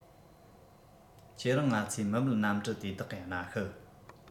ཁྱེད རང ང ཚོའི མི མེད གནམ གྲུ དེ དག གིས སྣ ཤུ